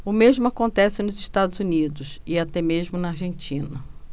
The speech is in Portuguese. o mesmo acontece nos estados unidos e até mesmo na argentina